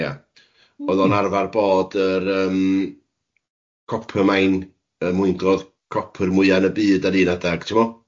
Ie, o'dd o'n arfer bod yr yym coppermine, y mwynglodd copr mwya'n y byd ar un adag, ti'mod?